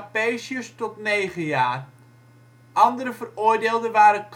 Capesius tot negen jaar. Andere veroordeelden waren